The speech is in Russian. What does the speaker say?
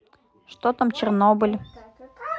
что там чернобыль